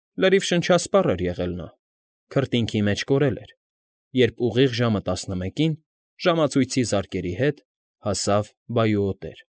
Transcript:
Լրիվ շնչասպառ էր եղել նա, քրտինքի մեջ կորել էր, երբ ուղիղ ժամը տասնմեկին, ժամացույցի զարկերի հետ, հասավ Բայուոտեր։